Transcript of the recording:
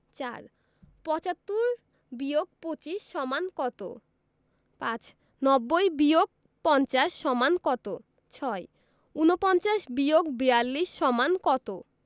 ৪ ৭৫-২৫ = কত ৫ ৯০-৫০ = কত ৬ ৪৯-৪২ = কত